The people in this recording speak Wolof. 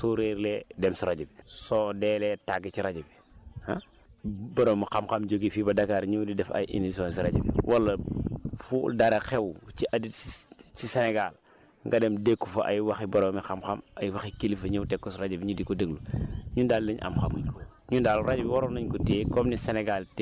parce que rajo thiel bii njëriñ li si nekk yow soo réerlee dem si rajo bi soo deelee tàgge ci rajo bi boromi xam-xam jógee fii ba Dakar ñëw di def ay émissions si rajo bi wala fu dara xaw ci àddi ci Sénégal nga dem dékku fa ay waxi boromi xam-xam ay waxi kilifa ñëw teg ko si rajo bi ñu di ko déglu ñun daal nañ am xam-xam